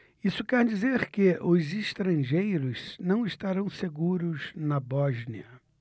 isso quer dizer que os estrangeiros não estarão seguros na bósnia